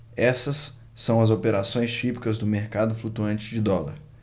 essas são as operações típicas do mercado flutuante de dólar